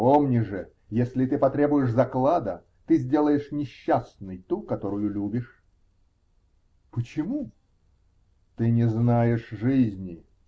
Помни же, если ты потребуешь заклада, ты сделаешь несчастной ту, которую любишь. -- Почему? -- Ты не знаешь жизни.